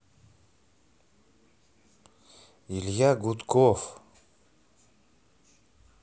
илья гудков